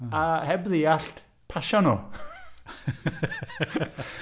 A heb ddeall, pasio nhw